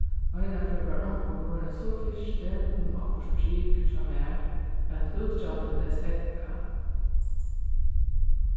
einaferð var onkur vorðin so firtin um okkurt prik hjá mær at útgjaldið bleiv steðgað